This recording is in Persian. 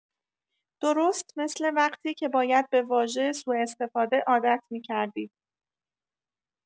درست مثل وقتی که باید به واژه سوء‌استفاده عادت می‌کردید.